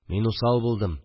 Мин усал булдым